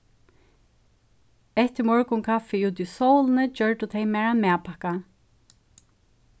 eftir morgunkaffi úti í sólini gjørdu tey mær ein matpakka